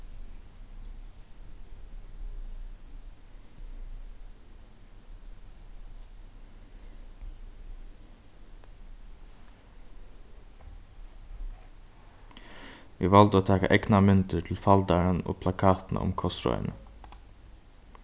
vit valdu at taka egnar myndir til faldaran og plakatina um kostráðini